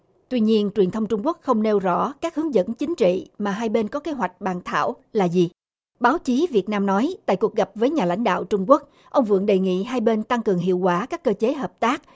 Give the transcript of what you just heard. tuy nhiên truyền thông trung quốc không nêu rõ các hướng dẫn chính trị mà hai bên có kế hoạch bàn thảo là gì báo chí việt nam nói tại cuộc gặp với nhà lãnh đạo trung quốc ông vượng đề nghị hai bên tăng cường hiệu quả các cơ chế hợp tác